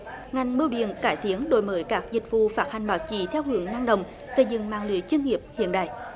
ngành bưu điện cải tiến đổi mới các dịch vụ phát hành bảo trì theo hướng năng động xây dựng mạng lưới chuyên nghiệp hiện đại